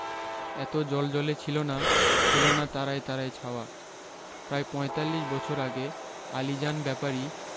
এত জ্বলজ্বলে ছিল না ছিলনা তারায় তারায় ছাওয়া প্রায় পঁয়তাল্লিশ বছর আগে আলীজান ব্যাপারী